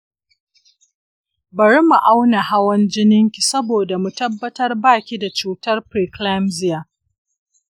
bari mu auna hawan jininki saboda mu tabbatar baki da cutan preeclampsia.